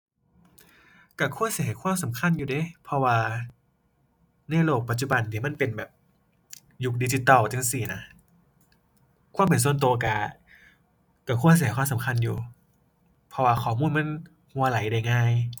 ก็ควรสิให้ความสำคัญอยู่เดะ เพราะว่าในโลกปัจจุบันที่มันเป็นแบบยุคดิจิทัลจั่งซี้น่ะ ความเป็นส่วนก็ก็ก็ควรสิให้ความสำคัญอยู่ เพราะว่าข้อมูลมันก็ไหลได้ง่าย